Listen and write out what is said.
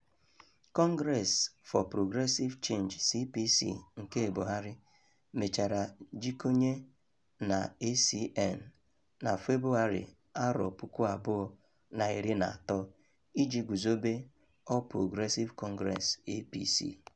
Congress for Progressive Change (CPC) nke Buhari mechara jikọnye na ACN, na Febụwarị 2013, iji guzobe All Progressive Congress (APC) .